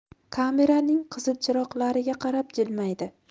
kameraning qizil chiroqlariga qarab jilmaydi